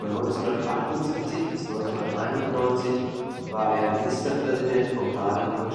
1978 bis 1991 war er Ministerpräsident von Baden-Württemberg